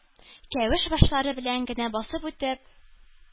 Кәвеш башлары белән генә басып үтеп,